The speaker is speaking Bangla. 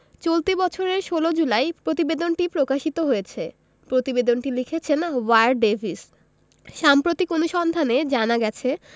চলতি বছরের ১৬ জুলাই প্রতিবেদনটি প্রকাশিত হয়েছে প্রতিবেদনটি লিখেছেন ওয়্যার ডেভিস সাম্প্রতিক অনুসন্ধানে জানা গেছে